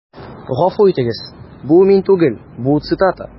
Гафу итегез, бу мин түгел, бу цитата.